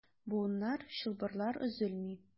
Буыннар, чылбырлар өзелми.